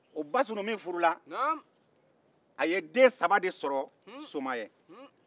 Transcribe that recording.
o basunu min furula a ye den saba de sɔrɔ soma ye